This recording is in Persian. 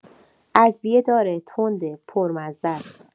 ادویه‌داره، تنده، پر مزه‌ست.